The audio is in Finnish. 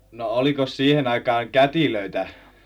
no olikos siihen aikaan kätilöitä